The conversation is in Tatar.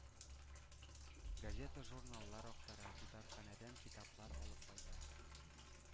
Газета-журналлар актара, китапханәдән китаплар алып кайта,